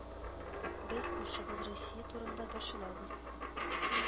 Без күршебез Русия турында борчылабыз